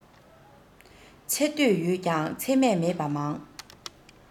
ཚེ སྟོད ཡོད ཀྱང ཚེ སྨད མེད པ མང